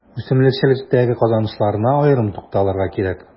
Үсемлекчелектәге казанышларына аерым тукталырга кирәк.